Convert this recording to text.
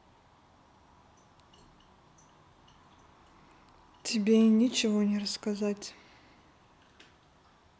тебе ничего не рассказать